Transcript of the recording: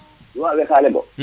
toubab we ka leyo